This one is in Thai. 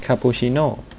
คาปูชิโน่